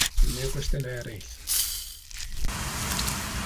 O's unryw gwestiyne eryll?